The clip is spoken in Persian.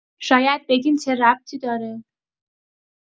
شاید بگین چه ربطی داره